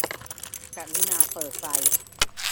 กรุณาเปิดไฟ